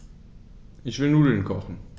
Ich will Nudeln kochen.